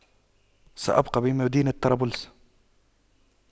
سأبقى بمدينة طرابلس